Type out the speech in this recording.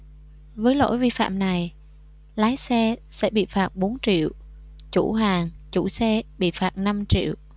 với lỗi vi phạm này lái xe sẽ bị phạt bốn triệu chủ hàng chủ xe bị phạt năm triệu